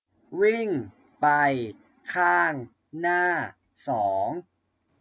วิ่งไปข้างหน้าสอง